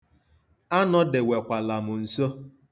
Anọdewakwala m nso.